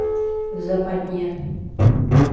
в западне